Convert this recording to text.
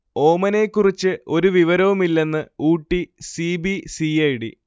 ഓമനയെ കുറിച്ച് ഒരു വിവരവുമില്ലെന്ന് Ooty C. B. C. I. D